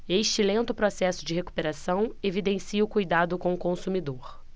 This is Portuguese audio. este lento processo de recuperação evidencia o cuidado com o consumidor